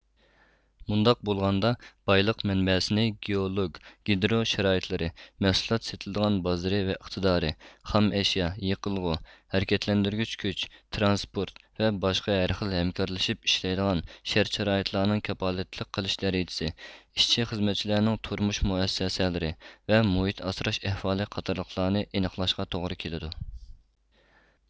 مۇنداق بولغاندا بايلىق مەنبەسىنى گېئولوگ گىدرو شارائىتلىرى مەھسۇلات سېتىلىدىغان بازىرى ۋە ئىقتىدارى خام ئەشيا يېقىلغۇ ھەرىكەتلەندۈرگۈچ كۈچ ترانسپورت ۋە باشقا ھەر خىل ھەمكارلىشىپ ئىشلەيدىغان شەرت شارائىتلارنىڭ كاپالەتلىك قىلىش دەرىجىسى ئىشچى خىزمەتچىلەرنىڭ تۇرمۇش مۇئەسسەسەلىرى ۋە مۇھىت ئاسراش ئەھۋالى قاتارلىقلارنى ئېنىقلاشقا توغرا كېلىدۇ